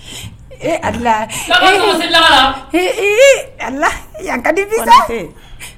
Kadi